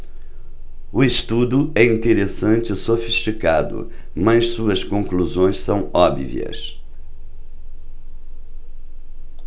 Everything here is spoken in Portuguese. o estudo é interessante e sofisticado mas suas conclusões são óbvias